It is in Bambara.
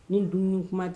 Ni dumuni kuma tɛ